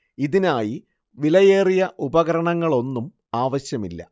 ഇതിനായി വിലയേറിയ ഉപകരണങ്ങളൊന്നും ആവശ്യമില്ല